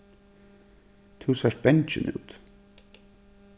tú sært bangin út